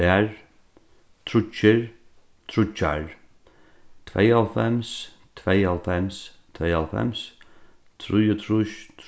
tvær tríggir tríggjar tveyoghálvfems tveyoghálvfems tveyoghálvfems trýogtrýss